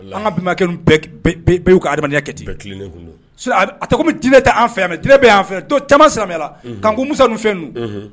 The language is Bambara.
An ka bɛnbakɛ ha adamadenyaya kɛti a tɔgɔ dinɛ tɛ' an fɛ mɛ diinɛ bɛ y' fɛ don caman sirala ka kanko musa fɛn don